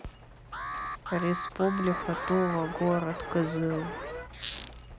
республика тува город кызыл